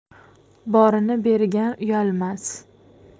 borini bergan uyalmas